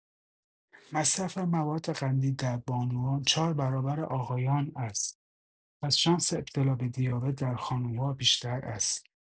مصرف مواد قندی در بانوان ۴ برابر آقایان است پس شانس ابتلا به دیابت در خانم‌ها بیشتر است.